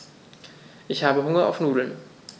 Ich habe Hunger auf Nudeln.